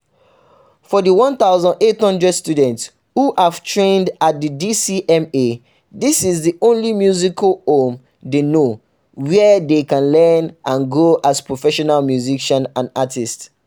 For the 1,800 students who have trained at the DCMA, this is the only musical home they know, where they can learn and grow as professional musicians and artists.